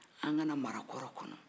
an ka na marakɔrɔ kɔnɔ